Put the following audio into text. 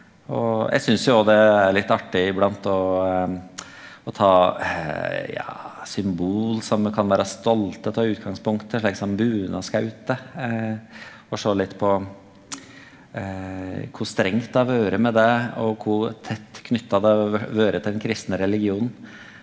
og eg synast jo òg det er litt artig iblant å å ta ja symbol som me kan vere stolte av i utgangspunktet, slik som bunadsskautet, og sjå litt på kor strengt det har vore med det og kor tett knytte det har vore til den kristne religionen.